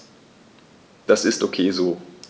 Das ist ok so.